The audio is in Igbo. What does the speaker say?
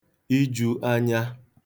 ijū ānyā